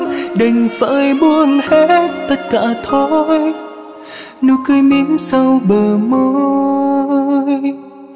đành phải buông hết tất cả thôi nụ cười mỉm sau bờ môi